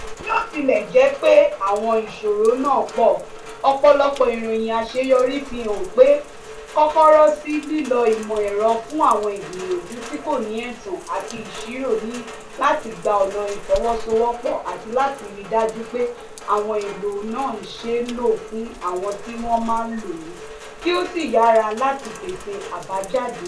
Bí ó tilẹ̀ jẹ́ pé àwọn ìṣòro náà pọ̀, ọ̀pọ̀lọpọ̀ ìròyìn àṣeyọrí fi hàn pé kọ́kọ́rọ́ sí lílo ìmọ̀ ẹ̀rọ fún àwọn ìgbìyànjú tí kò ní ẹ̀tàn àti ìṣirò ni láti gba ọ̀nà ìfọwọ́sowọ́pọ̀ àti láti ríi dájú pé àwọn èlò náà ṣe é lò fún àwọn tí wọ́n máa lò ó kí ó sì yára láti pèsè àbájáde.